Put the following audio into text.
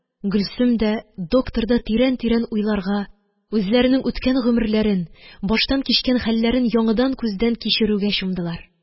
Гөлсем дә, доктор да тирән-тирән уйларга, үзләренең үткән гомерләрен, баштан кичкән хәлләрен яңыдан күздән кичерүгә чумдылар